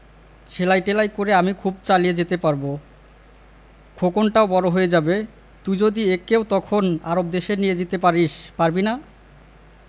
সেলাই টেলাই করে আমি খুব চালিয়ে যেতে পারব খোকনটাও বড় হয়ে যাবে তুই যদি একেও তখন আরব দেশে নিয়ে যেতে পারিস পারবি না